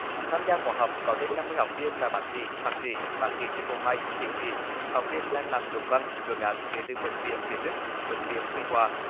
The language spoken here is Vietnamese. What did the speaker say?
tham gia khóa học có trên năm mươi học viên là bác sĩ thạc sĩ bác sĩ chuyên cô hai tiến sĩ học viên đang làm luận văn luận án đến từ bệnh viện việt đức bệnh viện quy hòa